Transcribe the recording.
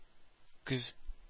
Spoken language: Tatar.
Күз